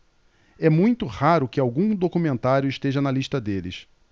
é muito raro que algum documentário esteja na lista deles